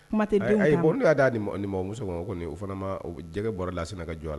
D muso kɔni u fana ma jɛgɛgɛ bɔra la ka jɔn